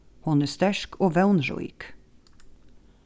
hon er sterk og vónrík